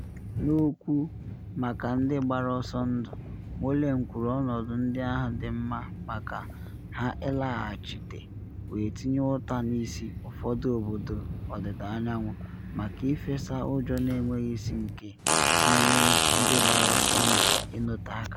N’okwu maka ndị gbara ọsọ ndụ, Moualem kwuru ọnọdụ ndị ahụ dị mma maka ha ịlaghachite, wee tinye ụta n’isi “ụfọdụ obodo ọdịda anyanwụ” maka “ịfesa ụjọ na enweghị isi” nke manyere ndị gbara ọsọ ndụ ịnọte aka.